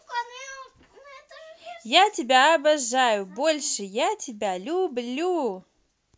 я тебя обожаю больше я тебя люблю